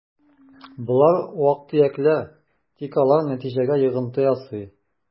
Болар вак-төякләр, тик алар нәтиҗәгә йогынты ясый: